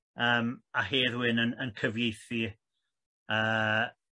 yym a Hedd Wyn yn yn cyfieithu yy